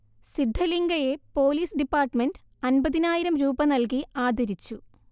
സിദ്ധലിങ്കയെ police department അൻപതിനായിരം രൂപ നൽകി ആദരിച്ചു